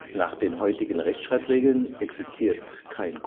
Nach den heutigen Rechtschreibregeln existiert kein